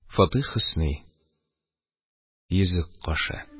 Фатих Хөсни Йөзек кашы.